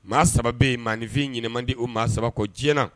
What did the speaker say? Maa saba bɛ maninfin ɲiniman di o maa saba diɲɛɲɛna